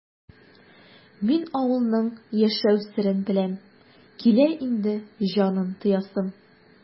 Мин авылның яшәү серен беләм, килә инде җанын тоясым!